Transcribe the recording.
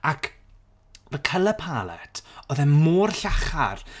Ac the colour palette oedd e mor llachar.